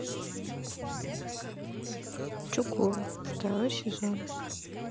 чукур второй сезон